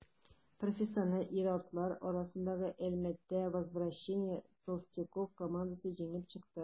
Профессионал ир-атлар арасында Әлмәттән «Возвращение толстяков» командасы җиңеп чыкты.